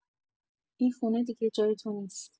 این خونه دیگه جای تو نیست!